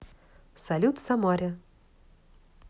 салют в самаре